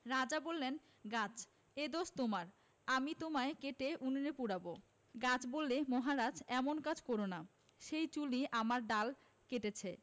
রাজা বললেন গাছ এ দোষ তোমার আমি তোমায় কেটে উনুনে পোড়াব' গাছ বললে মহারাজ এমন কাজ কর না সেই চুলি আমার ডাল কেটেছে